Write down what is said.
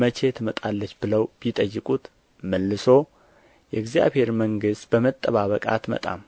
መቼ ትመጣለች ብለው ቢጠይቁት መልሶ የእግዚአብሔር መንግሥት በመጠባበቅ አትመጣም